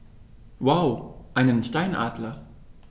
Wow! Einen Steinadler?